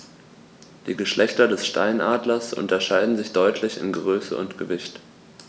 Die Geschlechter des Steinadlers unterscheiden sich deutlich in Größe und Gewicht.